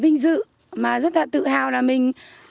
vinh dự mà rất tự hào là mình